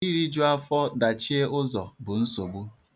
Iriju afọ dachie ụzọ bụ nsogbu.